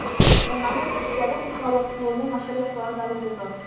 Ананың хисләре кузгалып, улының начар яклары да онытылды.